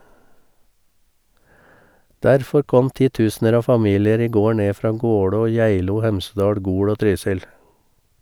Derfor kom titusener av familier i går ned fra Gålå, Geilo, Hemsedal, Gol og Trysil.™